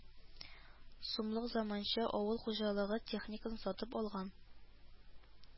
Сумлык заманча авыл хуҗалыгы техникасын сатып алган